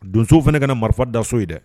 Donso fana ka na marifa daso ye dɛ